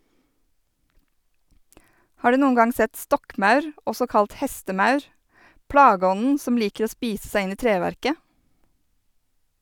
Har du noen gang sett stokkmaur , også kalt hestemaur, plageånden som liker å spise seg inn i treverket?